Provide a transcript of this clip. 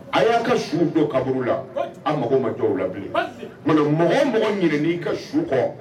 A y'a ka suw don kaburu la an mako ma jɔ la bi mɔgɔ mɔgɔ ɲinin' ka su kɔ